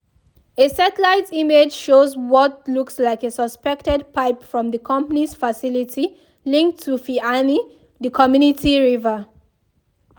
A satellite image shows what looks like a suspected pipe from the company’s facility linked to Feeane, the community river.